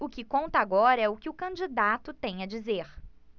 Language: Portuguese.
o que conta agora é o que o candidato tem a dizer